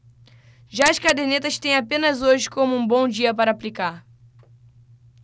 já as cadernetas têm apenas hoje como um bom dia para aplicar